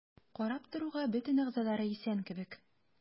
Карап торуга бөтен әгъзалары исән кебек.